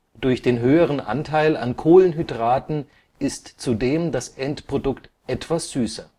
Durch den höheren Anteil an Kohlenhydraten ist zudem das Endprodukt etwas süßer